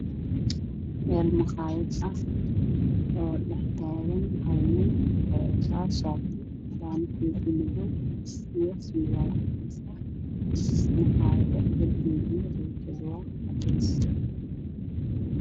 Waa meel cafee oo midabkoodu yahay qaxwi